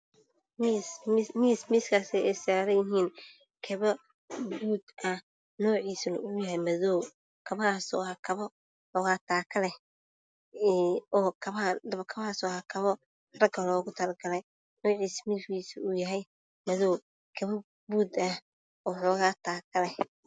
Waa miis ay saaran yihiin kabo buud ah oo madow ah oo taako yar leh waana kabo nimaneed.